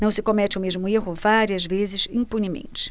não se comete o mesmo erro várias vezes impunemente